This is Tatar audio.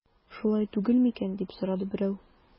Шулай түгел микән дип сорады берәү.